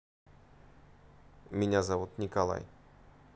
меня зовут николай